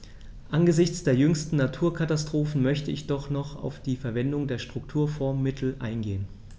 Angesichts der jüngsten Naturkatastrophen möchte ich doch noch auf die Verwendung der Strukturfondsmittel eingehen.